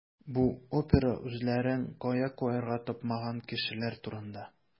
Бу опера үзләрен кая куярга тапмаган кешеләр турында.